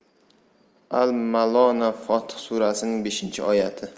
al malonna fotir surasining beshinchi oyati